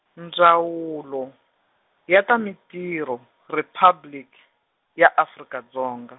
Ndzawulo, ya ta Mintirho, Riphabliki, ya Afrika Dzonga.